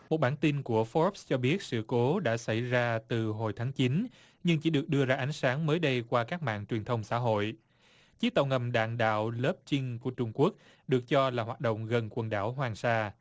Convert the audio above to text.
một bản tin của phoóc cho biết sự cố đã xảy ra từ hồi tháng chín nhưng chỉ được đưa ra ánh sáng mới đây qua các mạng truyền thông xã hội chiếc tàu ngầm đạn đạo lớp trinh của trung quốc được cho là hoạt động gần quần đảo hoàng sa